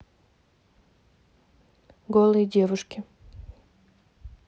голые девушки